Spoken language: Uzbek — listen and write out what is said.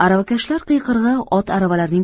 aravakashlar qiyqirig'i ot aravalarning